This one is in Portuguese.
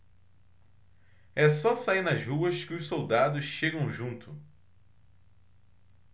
é só sair nas ruas que os soldados chegam junto